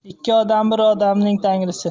ikki odam bir odamning tangrisi